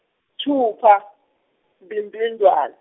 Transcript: -thupha Bhimbidvwane.